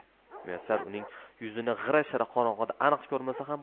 muyassar uning yuzini g'ira shira qorong'ida aniq ko'rmasa ham